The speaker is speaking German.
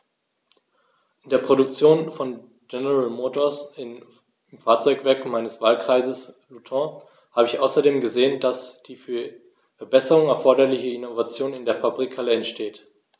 In der Produktion von General Motors, im Fahrzeugwerk meines Wahlkreises Luton, habe ich außerdem gesehen, dass die für Verbesserungen erforderliche Innovation in den Fabrikhallen entsteht.